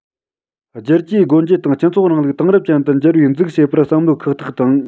བསྒྱུར བཅོས སྒོ འབྱེད དང སྤྱི ཚོགས རིང ལུགས དེང རབས ཅན དུ འགྱུར བའི འཛུགས བྱེད པར བསམ བློའི ཁག ཐེག དང